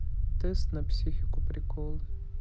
тест на психику приколы